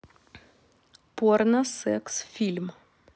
порно секс фильм